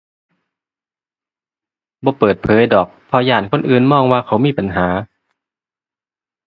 บ่เปิดเผยดอกเพราะย้านคนอื่นมองว่าเขามีปัญหา